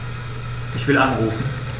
Ich will anrufen.